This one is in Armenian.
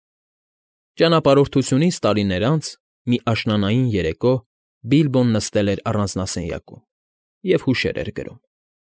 Ճանապարհորդությունից տարիներ անց մի աշնանային երեկո Բիլբոն նստել էր առանձնասենյակում և հուշեր էր գրում։